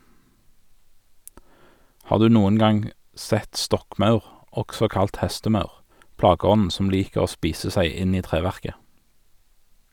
Har du noen gang sett stokkmaur, også kalt hestemaur, plageånden som liker å spise seg inn i treverket?